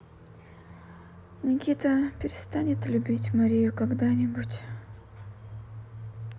никита перестанет любить марию когда нибудь